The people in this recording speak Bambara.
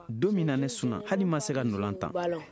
don min na ne sunna hali n ma se ka ntola tan